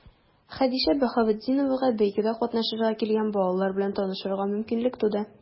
Хәдичә Баһаветдиновага бәйгедә катнашырга килгән балалар белән танышырга мөмкинлек туды.